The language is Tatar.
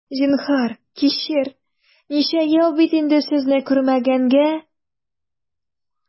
Зинһар, кичер, ничә ел бит инде сезне күрмәгәнгә!